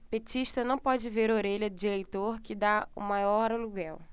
petista não pode ver orelha de eleitor que tá o maior aluguel